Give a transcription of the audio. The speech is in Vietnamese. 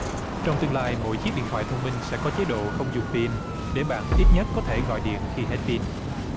trong tương lai mỗi chiếc điện thoại thông minh sẽ có chế độ không dùng pin để bạn ít nhất có thể gọi điện khi hết pin